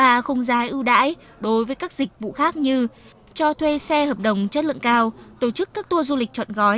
ba khung giá ưu đãi đối với các dịch vụ khác như cho thuê xe hợp đồng chất lượng cao tổ chức các tua du lịch trọn gói